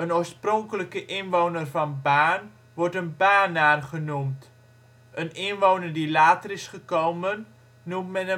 oorspronkelijke inwoner van Baarn wordt een Baarnaar genoemd. Een inwoner die later is gekomen, noemt men